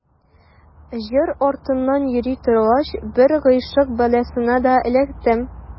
Җыр артыннан йөри торгач, бер гыйшык бәласенә дә эләктем.